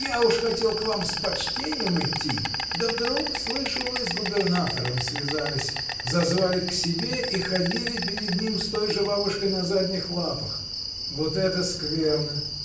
Я уж хотел к вам с почтением идти, да вдруг, слышу, вы с губернатором связались, зазвали к себе и ходили перед ним с той же бабушкой на задних лапах! Вот это скверно!